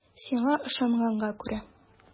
Сиңа ышанганга күрә.